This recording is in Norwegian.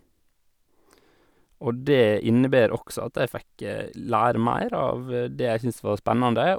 Og det innebærer også at jeg fikk lære mer av det jeg syns var spennende.